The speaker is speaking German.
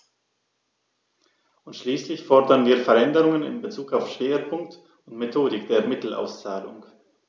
Und schließlich fordern wir Veränderungen in bezug auf Schwerpunkt und Methodik der Mittelauszahlung.